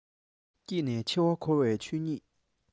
སྐྱེས ནས འཆི བ འཁོར བའི ཆོས ཉིད